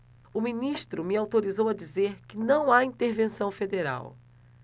o ministro me autorizou a dizer que não há intervenção federal